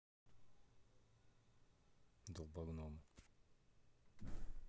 долбогномы